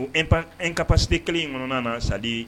Ko e pan n kap se kelen in kɔnɔna na sadi